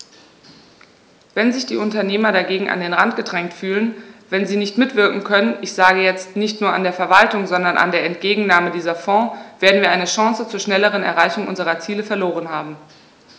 Wenn sich die Unternehmer dagegen an den Rand gedrängt fühlen, wenn sie nicht mitwirken können ich sage jetzt, nicht nur an der Verwaltung, sondern an der Entgegennahme dieser Fonds , werden wir eine Chance zur schnelleren Erreichung unserer Ziele verloren haben.